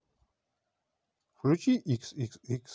включи икс икс икс